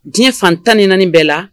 Diɲɛ fan tan ni naani bɛɛ la